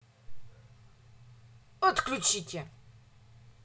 отключите